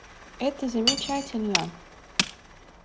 это замечательно